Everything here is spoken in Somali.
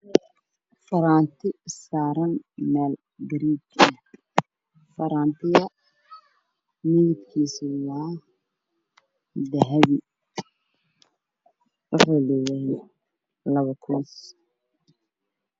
Farati saran mel garija ah faratiga midbakis waa dahbi waxow leyahay labo kuus